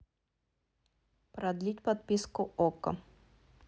продлить подписку окко